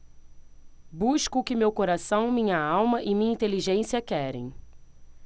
busco o que meu coração minha alma e minha inteligência querem